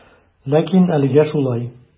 Ләкин әлегә шулай.